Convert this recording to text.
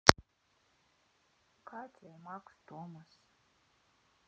катя и макс томас